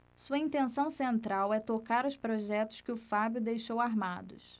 sua intenção central é tocar os projetos que o fábio deixou armados